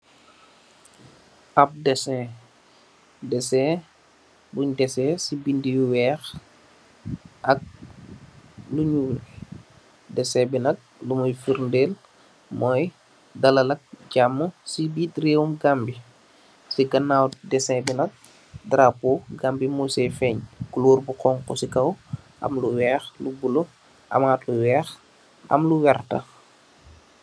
Ahb desehnn, dehsehnn bungh dehseh cii bindu yu wekh ak lu njull, dehsehnn bii nak lumui firrndell moiy dalal ak jaamu cii birr rewmi Gambie, cii ganaw dehsehnn bii nak drapeau Gambie bii mung sehh fenghh, couleur bu khonku cii kaw, am lu wekh, lu bleu, amat lu wekh, am lu vertah.